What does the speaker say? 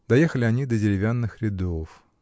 Доехали они до деревянных рядов.